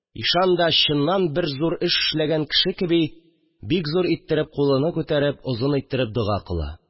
Ишан да, чыннан бер зур эш эшләгән кеше кеби, бик зур иттереп кулыны күтәреп, озын иттереп дога кыла